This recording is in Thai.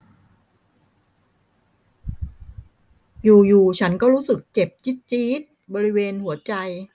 อยู่อยู่ฉันก็รู้สึกเจ็บจี๊ดจี๊ดบริเวณหัวใจ